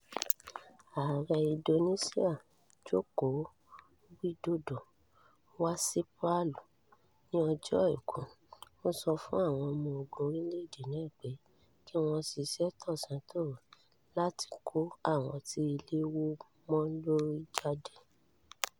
Ààrẹ Indonesia, Joko Widodo, wá sí Palu ní ọjọ́ Àìkú. Ó sọ fún àwọn ọmọ-ogun orílẹ̀-èdè náà pé: “Kí wọ́n ṣiṣẹ́ tọ̀san-tòru láti kó àwọn tí ilé wó mọ́ lórí jáde.